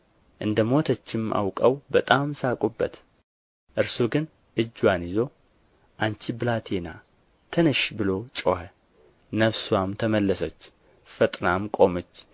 እንደ ሞተችም አውቀው በጣም ሳቁበት እርሱ ግን እጅዋን ይዞ አንቺ ብላቴና ተነሺ ብሎ ጮኸ ነፍስዋም ተመለሰች ፈጥናም ቆመች